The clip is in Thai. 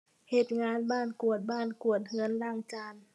เฮ็ดงานบ้าน กวาดบ้าน กวาดเรือน ล้างจาน